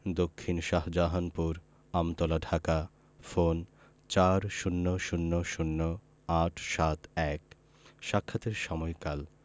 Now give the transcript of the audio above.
দক্ষিন শাহজাহানপুর আমতলা ঢাকা ফোন ৪০০০ ৮৭১ সাক্ষাতের সময়কাল